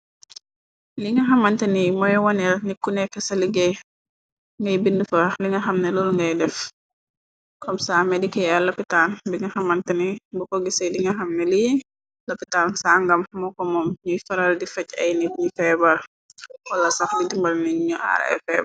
Li nga xamantani mooy waneer nikku nekk ca liggéey ngay bind faax linga xamnelul ngay def kom sa medikeya lopitaan bi nga xamantani bu ko gise dinga xamne li lopitaan sangam moo ko moom ñuy faral di fej ay nit ñi feebar xolosax bi dimbal na ñu aaray feebar.